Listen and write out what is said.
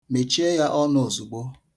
Mechie ya ọnụ ozugbo!